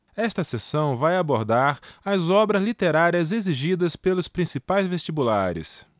esta seção vai abordar as obras literárias exigidas pelos principais vestibulares